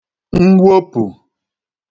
mwopù